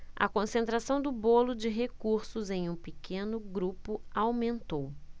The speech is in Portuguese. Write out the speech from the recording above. a concentração do bolo de recursos em um pequeno grupo aumentou